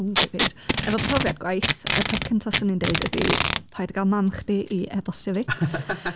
Ww, difyr! Efo profiad gwaith, y peth cynta 'swn i'n deud ydy, paid â cael mam chdi i e-bostio fi.